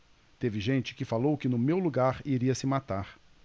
teve gente que falou que no meu lugar iria se matar